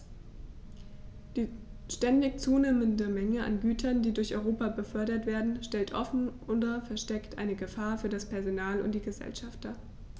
Die ständig zunehmende Menge an Gütern, die durch Europa befördert werden, stellt offen oder versteckt eine Gefahr für das Personal und die Gesellschaft dar.